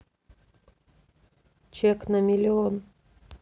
чек на миллион